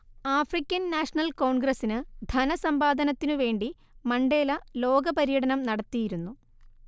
African National കോൺഗ്രസ്സിന് ധനസമ്പാദനത്തിനു വേണ്ടി മണ്ടേല ലോകപര്യടനം നടത്തിയിരുന്നു